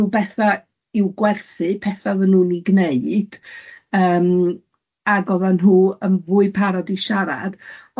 o betha i'w gwerthu, petha oedden nhw'n ei gwneud yym ag oedden nhw yn fwy parod i siarad, ond